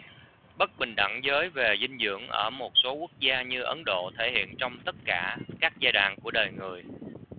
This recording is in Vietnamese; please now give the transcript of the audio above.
bất bình đẳng giới về dinh dưỡng ở một số quốc gia như ấn độ thể hiện trong tất cả các giai đoạn của đời người